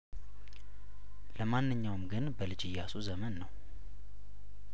ለማንኛውም ግን በልጅ ኢያሱ ዘመን ነው